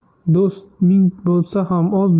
do'st ming bo'lsa ham oz